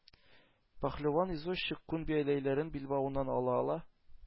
Пәһлеван извозчик күн бияләйләрен билбавыннан ала-ала: